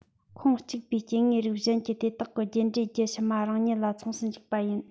ཁོངས གཅིག པའི སྐྱེ དངོས རིགས གཞན གྱིས དེ དག གི རྒྱུད འདྲེས རྒྱུད ཕྱི མ རང ཉིད ལ མཚུངས སུ འཇུག པ ཡིན